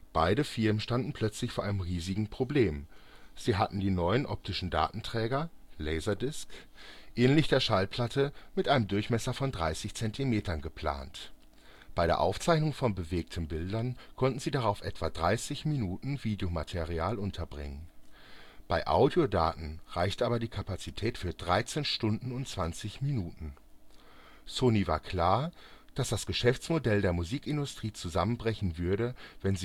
Beide Firmen standen plötzlich vor einem riesigen Problem. Sie hatten die neuen optischen Datenträger (LaserDisc), ähnlich der Schallplatte, mit einem Durchmesser von 30 cm geplant. Bei der Aufzeichnung von bewegten Bildern konnten sie darauf etwa 30 Minuten Videomaterial unterbringen. Bei Audiodaten reichte aber die Kapazität für 13 Stunden und 20 Minuten. Sony war klar, dass das Geschäftsmodell der Musikindustrie zusammenbrechen würde, wenn